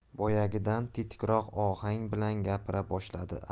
boyagidan tetikroq ohang bilan gapira boshladi